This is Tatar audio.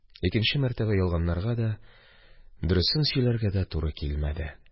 Икенче мәртәбә ялганларга да, дөресен сөйләргә дә туры килмәде.